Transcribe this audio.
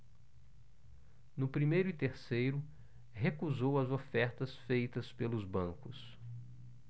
no primeiro e terceiro recusou as ofertas feitas pelos bancos